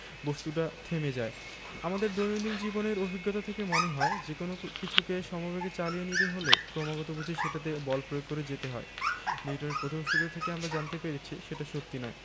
বস্তুটা থেমে যায় আমাদের দৈনন্দিন জীবনের অভিজ্ঞতা থেকে মনে হয় যেকোনো কিছুকে সমবেগে চালিয়ে নিতে হলে ক্রমাগত বুঝি সেটাতে বল প্রয়োগ করে যেতে হয় নিউটনের প্রথম সূত্র থেকে আমরা জানতে পেরেছি সেটা সত্যি নয়